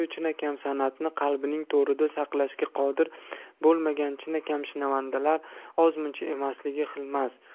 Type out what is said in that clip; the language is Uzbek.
chinakam san'atni qalbining to'rida saqlashga qodir bo'lmagan chinakam shinavandalar ozm uncha emasligini hilmas